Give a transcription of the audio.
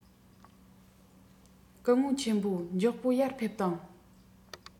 སྐུ ངོ ཆེན མོ མགྱོགས པོ ཡར ཕེབས དང